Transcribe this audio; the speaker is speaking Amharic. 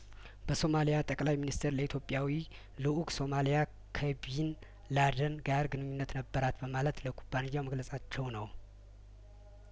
በሶማሊያ ጠቅለይ ሚንስተር ለኢትዮጵያዊ ልኡክ ሶማሊያ ከቢንላደን ጋር ግንኙነት ነበራት በማለት ለኩባንያው መግለጻቸው ነው